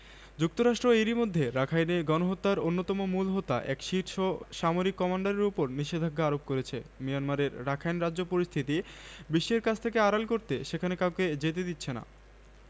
গণহত্যার শিকার হওয়া রোহিঙ্গাদের বেঙ্গলি সন্ত্রাসী হিসেবে উল্লেখ করে মিয়ানমারের সেনাপ্রধানের ফেসবুক পোস্টে বলা হয়েছে এটা সত্য যে গ্রামবাসী ও নিরাপত্তা বাহিনীর সদস্যরা মিলে ১০ বেঙ্গলি সন্ত্রাসীকে হত্যা করেছে